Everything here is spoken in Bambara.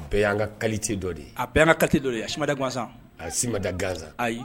A bɛɛ an ka kalilite dɔ de ye a bɛɛ an kate dɔ ye a si mada gansan a si ma da gansan ayi